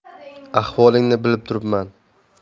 ahvolingni bilib turibman